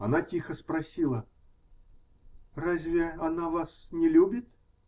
Она тихо спросила: -- Разве она вас не любит?